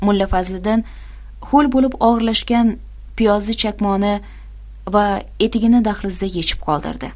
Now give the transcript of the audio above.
mulla fazliddin ho'l bo'lib og'irlashgan piyozi chakmoni va etigini dahlizda yechib qoldirdi